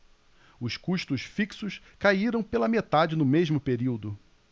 os custos fixos caíram pela metade no mesmo período